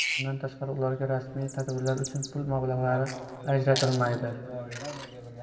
bundan tashqari ularga rasmiy tadbirlar uchun pul mablag'lari ajratilmaydi